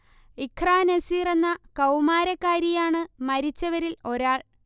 ഇഖ്ര നസീർ എന്ന കൗമാരക്കാരിയാണ് മരിച്ചവരിൽ ഒരാൾ